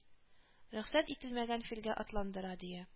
Рөхсәт ителмәгән филгә атландыра, дөя